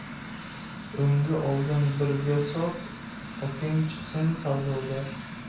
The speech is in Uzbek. o'nga olgin birga sot oting chiqsin savdogar